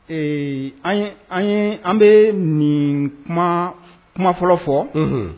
Ee an ye an bɛ nin kuma kuma fɔlɔ fɔ, unhun